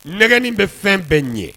Nɛgɛnen bɛ fɛn bɛɛ ɲɛ